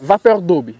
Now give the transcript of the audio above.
vapeur d' eau bi